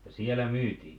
ja siellä myytiin